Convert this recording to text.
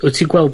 wt ti gweld